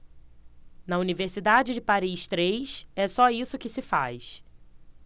na universidade de paris três é só isso que se faz